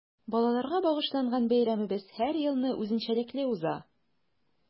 Балаларга багышланган бәйрәмебез һәр елны үзенчәлекле уза.